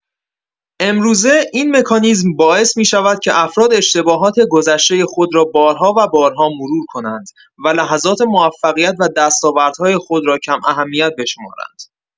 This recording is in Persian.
امروزه، این مکانیزم باعث می‌شود که افراد اشتباهات گذشتۀ خود را بارها و بارها مرور کنند و لحظات موفقیت و دستاوردهای خود را کم‌اهمیت بشمارند.